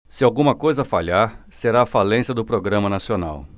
se alguma coisa falhar será a falência do programa nacional